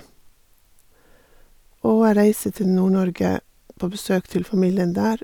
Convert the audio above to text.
Og jeg reiser til Nord-Norge på besøk til familien der.